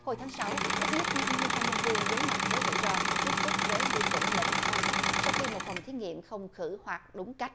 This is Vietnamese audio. hồi tháng sáu ít nhất năm mươi hai nhân viên đối mặt với rủi ro tiếp xúc với vi khuẩn bệnh than sau khi một phòng thí nghiệm không khử hoạt đúng cách